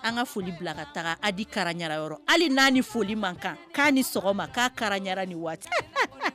An ka foli bila ka taga di yɔrɔ hali n' ni foli man kan k'a ni sɔgɔma k'a ni waati